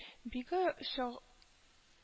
Биге чың